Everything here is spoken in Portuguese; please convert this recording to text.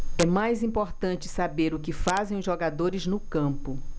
é mais importante saber o que fazem os jogadores no campo